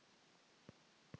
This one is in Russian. а вы говорили соника бум не знаете